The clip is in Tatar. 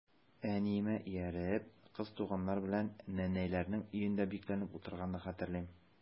Әниемә ияреп, кыз туганнар белән нәнәйләрнең өендә бикләнеп утырганны хәтерлим.